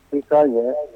I k'a ɲɛ